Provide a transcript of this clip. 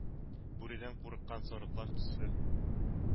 Бүредән курыккан сарыклар төсле,